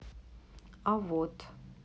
а вот